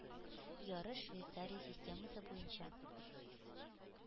Ярыш Швейцария системасы буенча,